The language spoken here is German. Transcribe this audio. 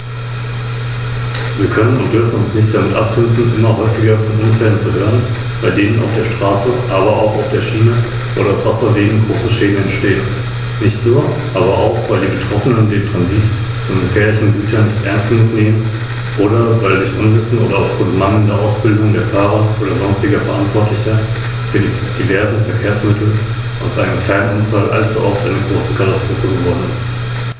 Ich danke Frau Schroedter für den fundierten Bericht.